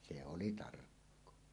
se oli tarkkaa